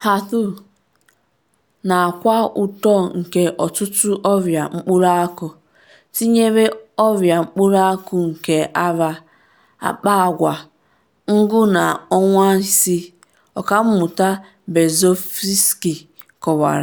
HER2 ”na-akwa uto nke ọtụtụ ọrịa mkpụrụ akụ,” tinyere ọrịa mkpụrụ akụ nke ara, akpa akwa, ngu na ọwa nsi, Ọkammụta Berzofsky kọwara.